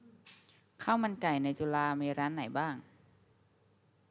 ข้าวมันไก่ในจุฬามีร้านไหนบ้าง